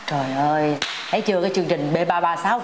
trời ơi thấy chưa cái chương trình bê ba ba sáu của